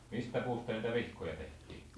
mistä puusta niitä vihkoja tehtiin